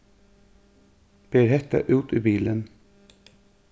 ber hetta út í bilin